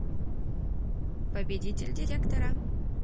победитель директора